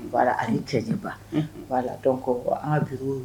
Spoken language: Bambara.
voilà a ni cɛ ti ban Unhun donc an ka bureau